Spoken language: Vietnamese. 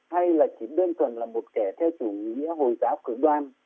hay là chỉ đơn thuần là một kẻ theo chủ nghĩa hồi giáo cực đoan